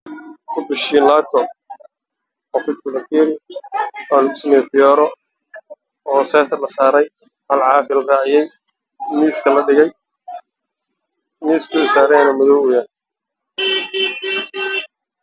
Waa koob shaax ku jira biyo caafi